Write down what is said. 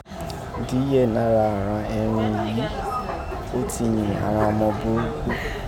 Díyẹ̀ nara àghan ẹrin èyí ó tí yìn àghan ọma burúkú